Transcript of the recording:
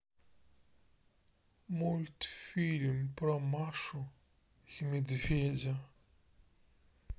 мультфильм про машу и медведя